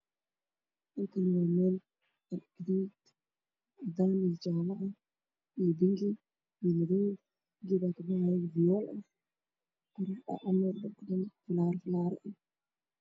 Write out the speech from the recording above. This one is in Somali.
Waxaa ii muuqata qorraxda oo sii dhacayso iyo geed weyn oo cagaaran iyo cod dhulka ka baxayo